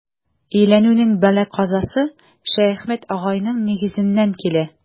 Өйләнүнең бәла-казасы Шәяхмәт агайның нигезеннән килә.